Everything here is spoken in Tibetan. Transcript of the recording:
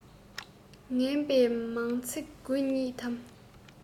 ངན པའི མང ཚིག དགུ ཉིད དམ